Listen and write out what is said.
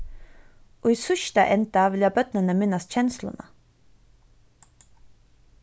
í síðsta enda vilja børnini minnast kensluna